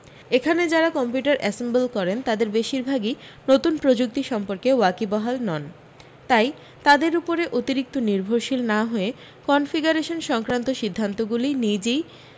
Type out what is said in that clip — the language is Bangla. এখানে যারা কম্পিউটার অ্যাসেম্বল করেন তাঁদের বেশিরভাগই নতুন প্রযুক্তি সম্পর্কে ওয়াকিবহাল নন তাই তাঁদের উপরে অতিরিক্ত নির্ভরশীল না হয়ে কনফিগারেশন সংক্রান্ত সিদ্ধান্তগুলি নিজই